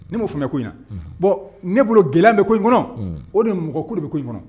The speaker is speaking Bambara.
Ne mao fana ko in yan bɔn ne bolo gɛlɛya bɛ ko in kɔnɔ o ni mɔgɔkuru bɛ in kɔnɔ